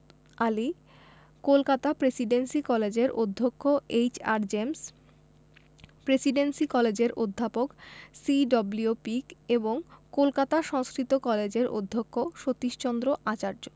Ali Kolkata Presidency কলেজের অধ্যক্ষ H R James Presidency কলেজের অধ্যাপক সি.ডব্লিউ পিক এবং কলকাতা সংস্কৃত কলেজের অধ্যক্ষ সতীশচন্দ্র আচার্য